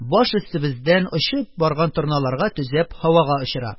Баш өстебездән очып барган торналарга төзәп, һавага очыра.